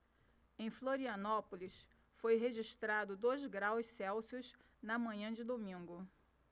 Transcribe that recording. em florianópolis foi registrado dois graus celsius na manhã de domingo